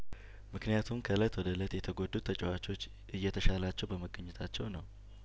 ምክንያቱም ከእለት ወደ እለት የተጐዱት ተጫዋቾች እየተሻላቸው በመገኘታቸው ነው